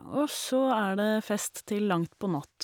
Og så er det fest til langt på natt.